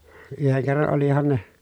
yhden kerran olihan ne